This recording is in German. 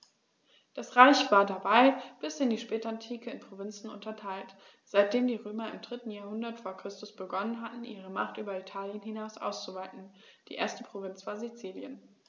Das Reich war dabei bis in die Spätantike in Provinzen unterteilt, seitdem die Römer im 3. Jahrhundert vor Christus begonnen hatten, ihre Macht über Italien hinaus auszuweiten (die erste Provinz war Sizilien).